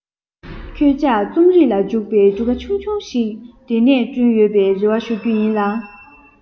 ཁྱོད ཅག རྩོམ རིག ལ འཇུག པའི གྲུ ག ཆུང ཆུང ཞིག འདི ནས བསྐྲུན ཡོད པའི རེ བ ཞུ རྒྱུ ཡིན ལ